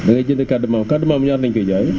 da ngay jënd carte membre carte membre ñaata lañ koy jaayee